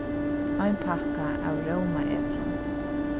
ein pakka av rómaeplum